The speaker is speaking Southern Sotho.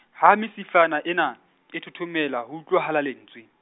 ha mesifana ena, e thothomela, ho utlwahala lentswe.